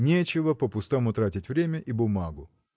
Нечего по-пустому тратить время и бумагу.